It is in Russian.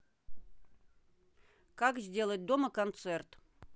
как сделать дома концерт